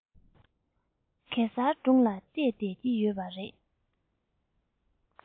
གེ སར སྒྲུང ལ བལྟས བསྡད ཀྱི ཡོད པ རེད